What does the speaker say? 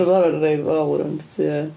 Rhai yn reit fawr ond ie.